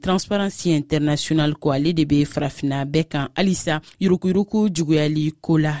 transparency international ko ale de bɛ farafinna bɛɛ kan halisa yuruguyurugu juguyali ko la